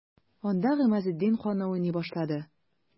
Анда Гыймазетдин каны уйный башлады.